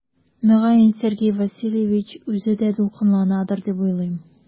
Мөгаен Сергей Васильевич үзе дә дулкынланадыр дип уйлыйм.